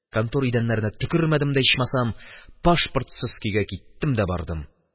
Контор идәннәренә төкермәдем дә ичмасам, пашпортсыз көйгә киттем дә бардым.